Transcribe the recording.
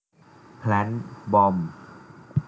แพลนท์บอม